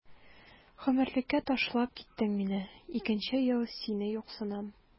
Гомерлеккә ташлап киттең мине, икенче ел сине юксынам.